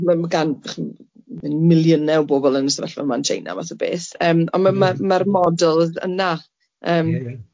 ma'n gan ch- miliyne o bobol yn y sefyllfa yma yn Tsieina math o beth yym ond ma- ma- ma'r model yna yym... Ia ia ia.